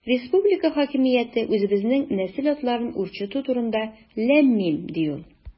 Республика хакимияте үзебезнең нәсел атларын үрчетү турында– ләм-мим, ди ул.